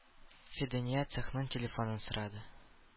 Фидания цехның телефонын сорады.